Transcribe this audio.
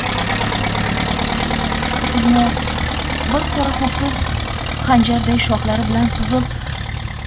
sizni bir qora ho'kiz xanjarday shoxlari bilan suzib